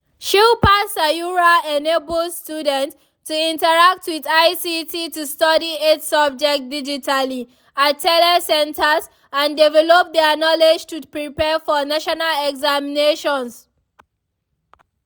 Shilpa Sayura enables students to interact with ICT to study 8 subjects digitally at tele centers and develop their knowledge to prepare for national examinations.